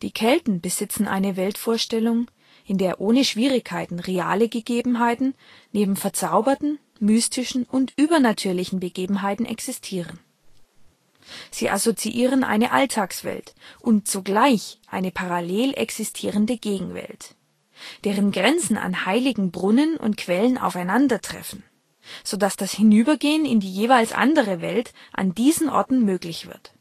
Kelten besitzen eine Weltvorstellung, in der ohne Schwierigkeiten reale Gegebenheiten neben verzauberten, mystischen und übernatürlichen Begebenheiten existieren. Sie assoziieren eine Alltagswelt und zugleich eine parallel existierende Gegenwelt, deren Grenzen an heiligen Brunnen und Quellen aufeinander treffen, so dass das Hinübergehen in die jeweils andere Welt an diesen Orten möglich wird